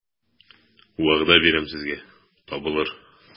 Вәгъдә бирәм сезгә, табылыр...